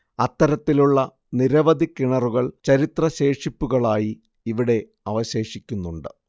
അത്തരത്തിലുള്ള നിരവധി കിണറുകൾ ചരിത്ര ശേഷിപ്പുകളായി ഇവിടെ അവശേഷിക്കുന്നുണ്ട്